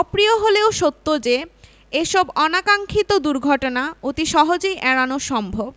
অপ্রিয় হলেও সত্ত্বেও যে এসব অনাকাক্সিক্ষত দুর্ঘটনা অতি সহজেই এড়ানো সম্ভব